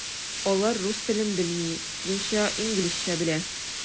Алар рус телен белми, финча, инглизчә белә.